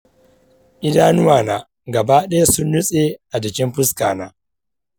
idanuwa na gaba daya sun nutse a jikin fuska na.